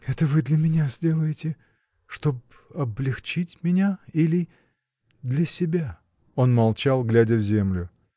— Это вы для меня сделаете, чтоб облегчить меня или. для себя? Он молчал, глядя в землю.